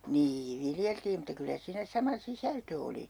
niin viljeltiin mutta kyllä siinä sama sisältö oli